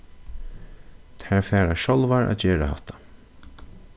tær fara sjálvar at gera hatta